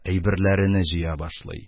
Әйберләрене җыя башлый.